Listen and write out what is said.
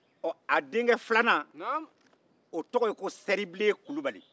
ɔ a denkɛ filanan o tɔgɔ ye ko sɛribilen kulubali